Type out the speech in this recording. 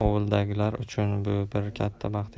ovuldagilar uchun bu bir katta baxt edi